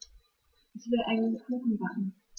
Ich will einen Kuchen backen.